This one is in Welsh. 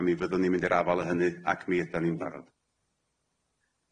A mi fyddwn ni mynd i'r afal o hynny ac mi ydan ni'n barod.